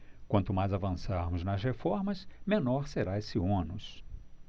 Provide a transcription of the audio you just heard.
quanto mais avançarmos nas reformas menor será esse ônus